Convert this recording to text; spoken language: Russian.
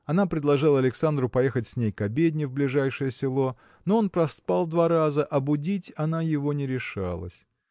Она предложила Александру поехать с ней к обедне в ближайшее село но он проспал два раза а будить она его не решалась.